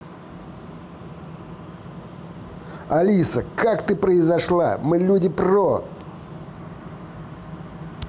алиса как ты произошла мы люди про